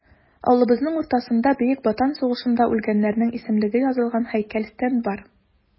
Авылыбызның уртасында Бөек Ватан сугышында үлгәннәрнең исемлеге язылган һәйкәл-стенд бар.